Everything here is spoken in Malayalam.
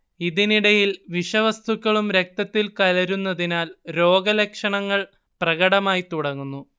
ഇതിനിടയിൽ വിഷവസ്തുക്കളും രക്തത്തിൽ കലരുന്നതിനാൽ രോഗലക്ഷണങ്ങൾ പ്രകടമായിത്തുടങ്ങുന്നു